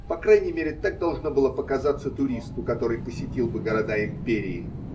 По крайней мере, так должно было показаться туристу, который посетил бы города империи.